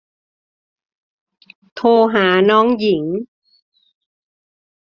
โทรหาน้องหญิง